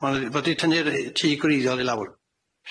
Ma' nw'n fod 'di tynnu'r yy tŷ gwreiddiol i lawr.